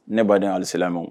Ne baden alisilamɛw